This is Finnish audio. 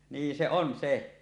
niin se on se